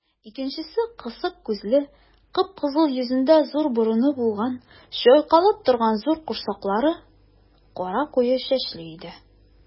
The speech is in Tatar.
Икенчесе кысык күзле, кып-кызыл йөзендә зур борыны булган, чайкалып торган зур корсаклы, кара куе чәчле иде.